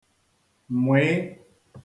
mụ̀ị